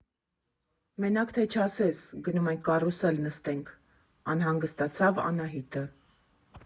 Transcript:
֊ Մենակ թե չասես՝ գնում ենք կարուսել նստենք, ֊ անհանգստացավ Անահիտը։